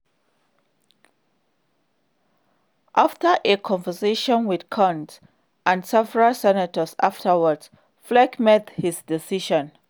After a conversation with Coons and several senators afterwards, Flake made his decision.